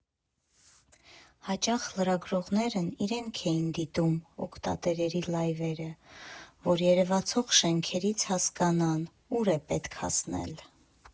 Հաճախ լրագրողներն իրենք էին դիտում օգտատերերի լայվերը, որ երևացող շենքերից հասկանան՝ ուր է պետք հասնել։